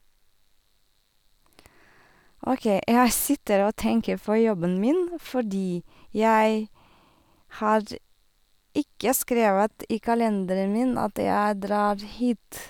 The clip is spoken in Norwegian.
OK, jeg sitter og tenker på jobben min fordi jeg har ikke skrevet i kalenderen min at jeg drar hit.